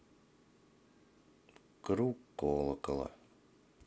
круг колокола